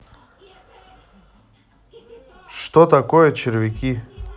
что такое червяки